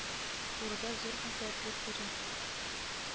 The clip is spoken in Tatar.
Турыда зур хәстәрлек күрә